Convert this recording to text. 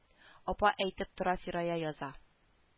Апа әйтеп тора фирая яза